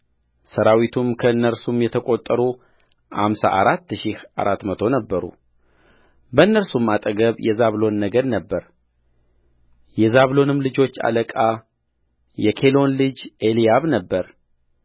ሠራዊቱም ከእነርሱም የተቈጠሩ አምሳ አራት ሺህ አራት መቶ ነበሩበእነርሱም አጠገብ የዛብሎን ነገድ ነበረ የዛብሎንም ልጆች አለቃ የኬሎን ልጅ ኤልያብ ነበረ